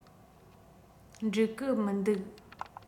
འགྲིག གི མི འདུག